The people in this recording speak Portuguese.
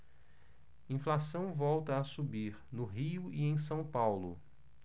inflação volta a subir no rio e em são paulo